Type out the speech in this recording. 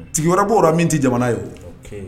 Tigi wɛrɛ b'o la min tɛ jamana ye o